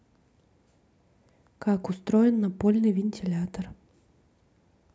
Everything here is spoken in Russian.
как устроен напольный вентилятор